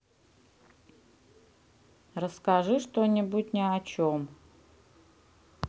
расскажи что нибудь и о чем